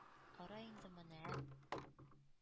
- кара инде моны, ә,